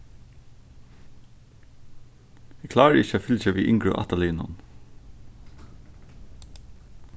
eg klári ikki at fylgja við yngru ættarliðunum